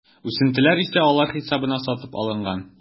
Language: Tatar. Үсентеләр исә алар хисабына сатып алынган.